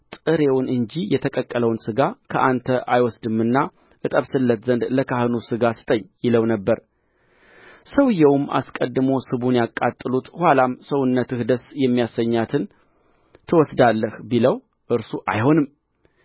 ጥሬውን እንጂ የተቀቀለውን ሥጋ ከአንተ አይወስድምና እጠብስለት ዘንድ ለካህኑ ሥጋ ስጠኝ ይለው ነበር ሰውዮውም አስቀድሞ ስቡን ያቃጥሉት ኋላም ሰውነትህ ደስ የሚያሰኛትን ትወስዳለህ ቢለው እርሱ አይሆንም